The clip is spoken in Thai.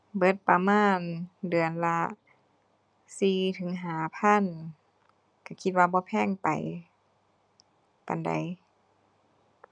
เบิดประมาณเดือนล่ะสี่ถึงห้าพัน ก็คิดว่าบ่แพงไปปานใด